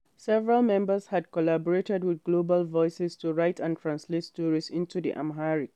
Several members had collaborated with Global Voices to write and translate stories into the Amharic.